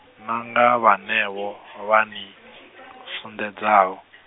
na nga vhenevho , vha ni, funḓedzaho.